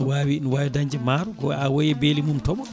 wawi ne wawi dañje maaro ko awoyi e beeli mum tooɓo